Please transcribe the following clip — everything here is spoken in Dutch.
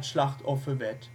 slachtoffer werd